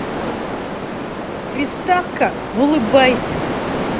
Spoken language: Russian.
приставка в улыбайся